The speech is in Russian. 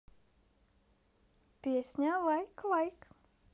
песня лайк лайк